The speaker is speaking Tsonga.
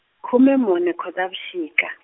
khume mune Khotavuxika.